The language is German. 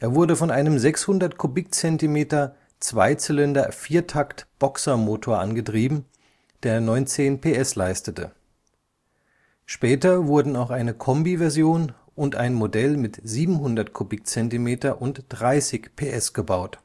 wurde von einem 600-cm³-Zweizylinder-Viertakt-Boxermotor angetrieben, der 19 PS leistete. Später wurden auch eine Kombi-Version und ein Modell mit 700 cm³ und 30 PS gebaut